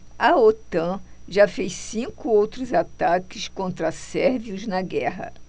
a otan já fez cinco outros ataques contra sérvios na guerra